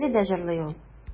Әле дә җырлый ул.